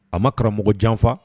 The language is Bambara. A ma karamɔgɔ janfa